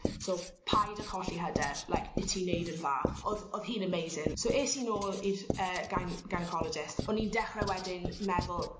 so paid â colli hyder like 'yt tin neud yn dda o'dd o'dd hi'n amazing so es i nôl i'r yy gyn- gynecologist o'n i'n dechre wedyn meddwl